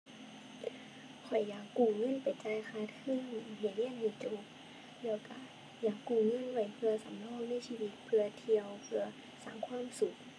ข้อยอยากกู้เงินไปจ่ายค่าเทอมแล้วเรียนให้จบ แล้วก็อยากกู้เงินไว้เพื่อสำรองในชีวิต เพื่อเที่ยว เพื่อสร้างความสุข